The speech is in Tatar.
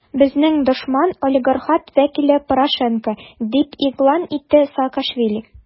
Безнең дошман - олигархат вәкиле Порошенко, - дип игълан итте Саакашвили.